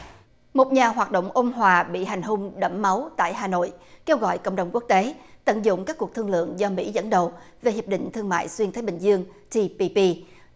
một nhà hoạt động ông hòa bị hành hung đẫm máu tại hà nội kêu gọi cộng đồng quốc tế tận dụng các cuộc thương lượng do mỹ dẫn đầu về hiệp định thương mại xuyên thái bình dương ti pi pi